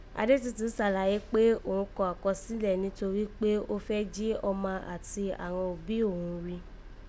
Adétutù sàlàyé kpé òghun kọ àkọsílẹ̀ nítorí kpé ó fẹ́ jí ọma àti àghan òbí òghun ri